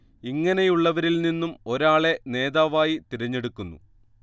ഇങ്ങനെയുള്ളവരിൽ നിന്നും ഒരാളെ നേതാവായി തിരഞ്ഞെടുക്കുന്നു